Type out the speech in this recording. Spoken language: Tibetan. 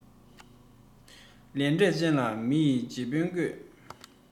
ལས འབྲས ཅན ལ མི ཡིས རྗེ དཔོན བསྐོས